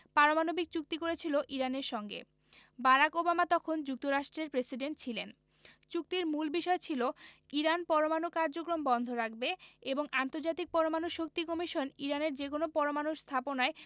পারমাণবিক চুক্তি করেছিল ইরানের সঙ্গে বারাক ওবামা তখন যুক্তরাষ্ট্রের প্রেসিডেন্ট ছিলেন চুক্তির মূল বিষয় ছিল ইরান পরমাণু কার্যক্রম বন্ধ রাখবে এবং আন্তর্জাতিক পরমাণু শক্তি কমিশন ইরানের যেকোনো পরমাণু স্থাপনায়